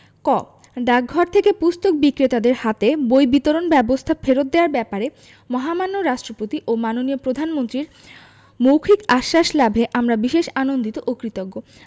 ক ডাকঘর থেকে পুস্তক বিক্রেতাদের হাতে বই বিতরণ ব্যবস্থা ফেরত দেওয়ার ব্যাপারে মহামান্য রাষ্ট্রপতি ও মাননীয় প্রধানমন্ত্রীর মৌখিক আশ্বাস লাভে আমরা বিশেষ আনন্দিত ও কৃতজ্ঞ